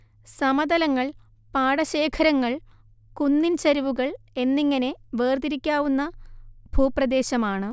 സമതലങ്ങൾ പാടശേഖരങ്ങൾ കുന്നിൻ ചരിവുകൾ എന്നിങ്ങനെ വേർതിരിക്കാവുന്ന ഭൂപ്രദേശമാണ്